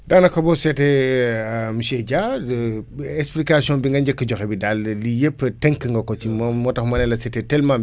daanaka boo seetee monsieur Dia explication bi nga njëkk a joxe bi daal lii yëpp tënk nga ko ci moom moo tax ma ne la c' étatit tellement